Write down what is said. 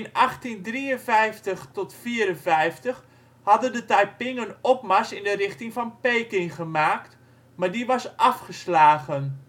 In 1853/54 hadden de Taiping een opmars in de richting van Peking gemaakt, maar die was afgeslagen